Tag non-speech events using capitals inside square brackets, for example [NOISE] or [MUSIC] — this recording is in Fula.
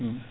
[HESITATION] [HESITATION]